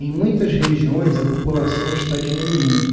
em muitas regiões a população está diminuindo